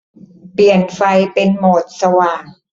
เปลี่ยนไฟเป็นโหมดสว่าง